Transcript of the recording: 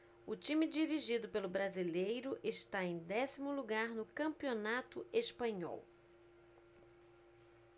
o time dirigido pelo brasileiro está em décimo lugar no campeonato espanhol